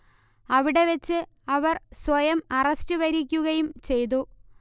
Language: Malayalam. അവിടെ വച്ച് അവർ സ്വയം അറസ്റ്റ് വരിക്കുകയും ചെയ്തു